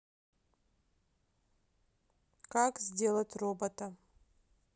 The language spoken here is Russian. как сделать робота